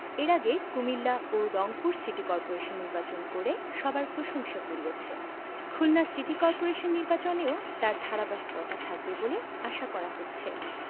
এর আগে কুমিল্লা ও রংপুর সিটি করপোরেশন নির্বাচন করে সবার প্রশংসা কুড়িয়েছে খুলনা সিটি করপোরেশন নির্বাচনেও তার ধারাবাহিকতা থাকবে বলে আশা করা হচ্ছে